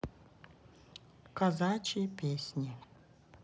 казачьи песни